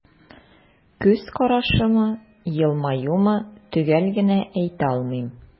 Күз карашымы, елмаюмы – төгәл генә әйтә алмыйм.